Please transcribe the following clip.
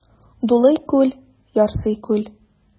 Дулый күл, ярсый күл.